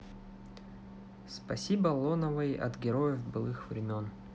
спасибо лановой от героев былых времен